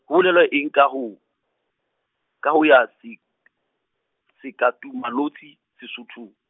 ho bolelwa eng ka kaho, kaho ya se- , sekatumanotshi Sesothong?